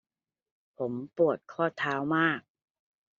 ผมปวดข้อเท้ามาก